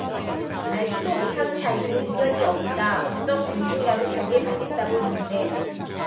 알지도 못하는 사이고 인연이 없다 어떤 검증이라도 달게 받겠다고 했는데